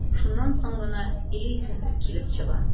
Шуннан соң гына «элита» килеп чыга...